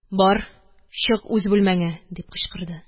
– бар чык үз бүлмәңә! – дип кычкырды.